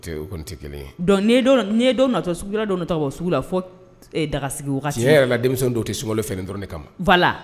Kelentɔ sugu la fo dagasigi ne yɛrɛ la denmisɛn don tɛ s fɛ dɔrɔn de kama fala